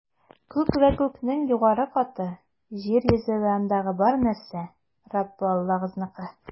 Күк вә күкнең югары каты, җир йөзе вә андагы бар нәрсә - Раббы Аллагызныкы.